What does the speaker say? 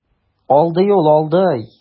Алдый ул, алдый.